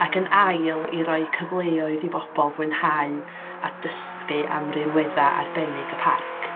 Ac yn ail, i roi cyfleoedd i bobl fwynhau a dysgu am rinweddau arbennig y parc.